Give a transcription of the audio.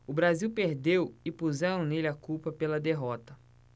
o brasil perdeu e puseram nele a culpa pela derrota